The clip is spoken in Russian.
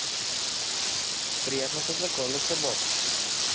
приятно познакомиться бог